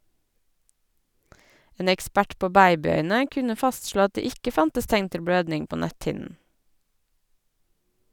En ekspert på babyøyne kunne fastslå at det ikke fantes tegn til blødning på netthinnen.